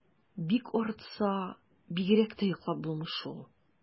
Бик арытса, бигрәк тә йоклап булмый шул.